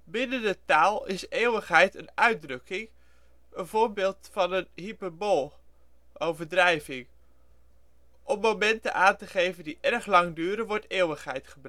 Binnen de taal is eeuwigheid een uitdrukking, een voorbeeld van een hyperbool (overdrijving). Om momenten aan te geven die erg lang duren, wordt " eeuwigheid